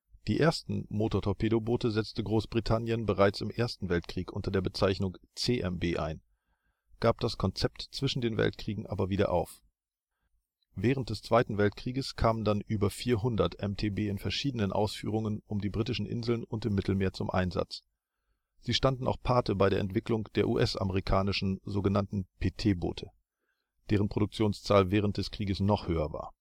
Die ersten Motortorpedoboote setzte Großbritannien bereits im Ersten Weltkrieg unter der Bezeichnung CMB ein, gab das Konzept zwischen den Weltkriegen aber wieder auf. Während des Zweiten Weltkrieges kamen dann über 400 MTB in verschiedenen Ausführungen um die britischen Inseln und im Mittelmeer zum Einsatz. Sie standen auch Pate bei der Entwicklung der US-amerikanischen sogenannten PT-Boote, deren Produktionszahl während des Krieges noch höher war